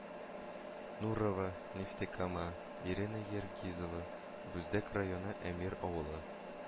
Нурова Нефтекама, Ирина Ергизова Бүздәк районы, Әмир авылы